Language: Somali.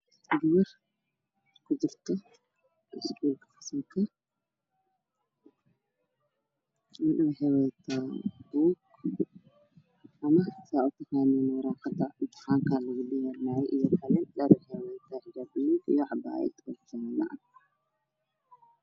Waa gabar kujirto fasalka waxay wadataa waraaqada intixaanka iyo xijaab buluug ah iyo cabaayad jaalo ah.